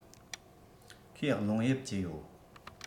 ཁོས རླུང གཡབ གྱི ཡོད